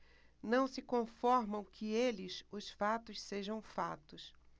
não se conformam que eles os fatos sejam fatos